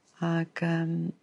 Ag yym